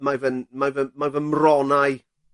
mae fy'n mae fy mae fy mronnau